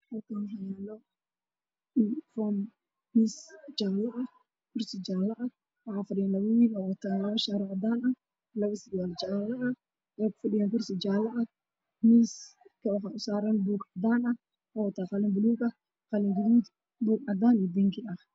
Meeshaan waxaa yaalo miis jaale ah, kursi jaale ah, waxaa fadhiyo labo wiil oo wato labo shaar oo cadaan ah iyo surwaalo jaale ah waxay kufadhiyaan kursi jaale ah, miiska waxaa saaran buug cadaan ah, qalin buluug ah, qalin bingi ah.